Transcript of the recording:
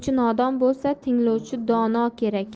tinglovchi dono kerak